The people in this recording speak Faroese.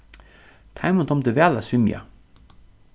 teimum dámdi væl at svimja